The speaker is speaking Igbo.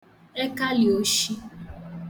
ekalị̀ oshi